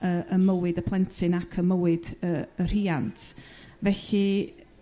yrr ym mywyd y plentyn ac y mywyd y y rhiant felly